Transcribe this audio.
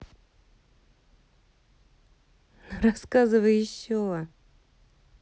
рассказывай еще